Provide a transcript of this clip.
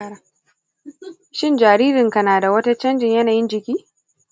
shin jaririnka na da wata canjin yanayin jiki?